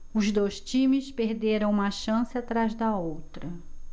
os dois times perderam uma chance atrás da outra